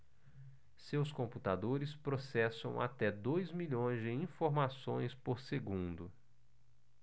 seus computadores processam até dois milhões de informações por segundo